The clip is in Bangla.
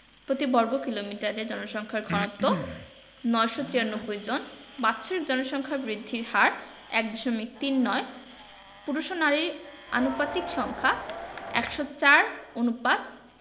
প্রতি বর্গ কিলোমিটারে জনসংখ্যার ঘনত্ব ৯৯৩ জন বাৎসরিক জনসংখ্যা বৃদ্ধির হার ১দশমিক তিন নয় পুরুষ ও নারীর আনুপাতিক সংখ্যা ১০৪ অনুপাত